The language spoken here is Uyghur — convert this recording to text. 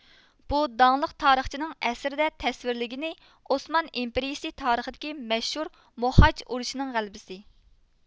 بۇ داڭلىق تارىخچىنىڭ ئەسىرىدە تەسۋىرلىگىنى ئوسمان ئىمپېرىيىسى تارىخىدىكى مەشھۇر موخاج ئۇرۇشىنىڭ غەلىبىسى